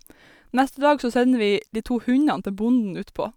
Neste dag så sender vi de to hundene til bonden utpå.